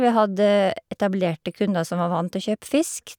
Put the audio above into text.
Vi hadde etablerte kunder som var vant til å kjøpe fisk.